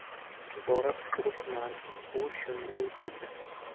borib turibman u shunday dedi